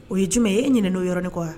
O ye jumɛn ye e ɲin n'o yɔrɔ nin kɔ wa